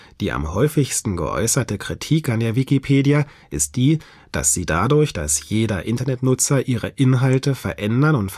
Die am häufigsten geäußerte Kritik an der Wikipedia ist die, dass sie dadurch, dass jeder Internetnutzer ihre Inhalte verändern